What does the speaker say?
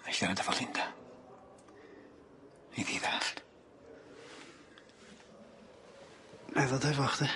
Na'i siarad efo Linda. Neith hi ddallt. Na'i ddod efo chdi.